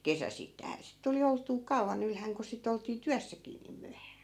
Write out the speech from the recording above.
kesäisittäinhän sitten tuli oltua kauan ylhäänä kun sitä oltiin työssäkin niin myöhään